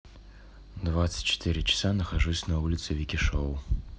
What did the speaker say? двадцать четыре часа нахожусь на улице вики шоу